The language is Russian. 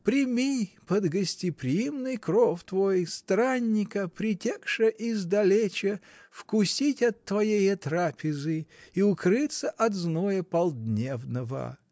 Приими под гостеприимный кров твой странника, притекша издалеча вкусить от твоея трапезы и укрыться от зноя полдневного!